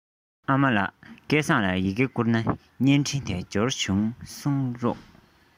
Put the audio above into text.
ཨ མ ལགས སྐལ བཟང ལ ཡི གེ བསྐུར ན བརྙན འཕྲིན དེ འབྱོར འདུག གསུངས རོགས